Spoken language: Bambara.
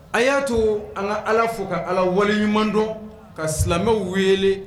A y'a to an ka allah fo ka allah wale ɲumandɔn ka silamɛw wele.